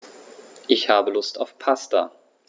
Ich habe Lust auf Pasta.